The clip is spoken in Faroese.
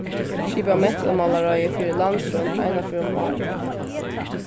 skipar mentamálaráðið fyri landsroynd eina ferð um árið